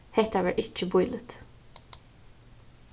hetta var ikki bíligt